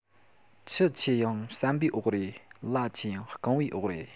ཆུ ཆེ ཡང ཟམ པའི འོག རེད ལ ཆེ ཡང རྐང པའི འོག རེད